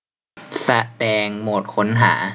แสดงโหมดค้นหา